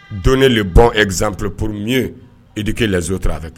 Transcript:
Don ne de ban zanpurme ye e de kɛ lazo t fɛ